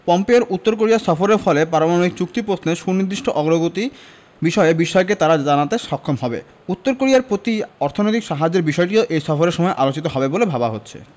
পম্পেওর উত্তর কোরিয়া সফরের ফলে পারমাণবিক চুক্তি প্রশ্নে সুনির্দিষ্ট অগ্রগতি বিষয়ে বিশ্বকে তারা জানাতে সক্ষম হবে উত্তর কোরিয়ার প্রতি অর্থনৈতিক সাহায্যের বিষয়টিও এই সফরের সময় আলোচিত হবে বলে ভাবা হচ্ছে